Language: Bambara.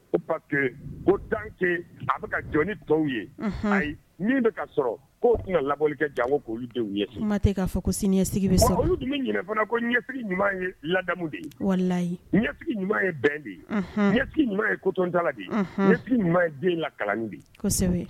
O pake o danke a bɛ ka jɔn ni dɔw ye ayi min ka sɔrɔ k ko tun ka lawaleli kɛ janko boli ye tɛ k'a fɔ ko sinisigi bɛ olu bɛ fana ko ɲɛtigi ɲuman ye ladamu de yeyi ɲɛtigi ɲuman ye bɛn de ye ɲɛ ɲuman ye kotala de yetigi ɲuman ye den laka kosɛbɛ